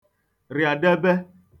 rịadebe